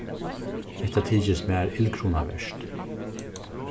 hetta tykist mær illgrunavert